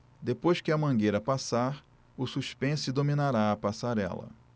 depois que a mangueira passar o suspense dominará a passarela